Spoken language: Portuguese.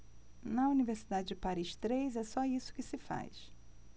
na universidade de paris três é só isso que se faz